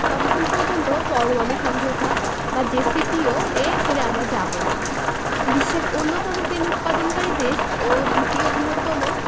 ততক্ষণ পর্যন্ত পরমাণু সমঝোতা বা জেসিপিওএ ছেড়ে আমরা যাব না বিশ্বের অন্যতম তেল উৎপাদনকারী দেশ ও দ্বিতীয় বৃহত্তম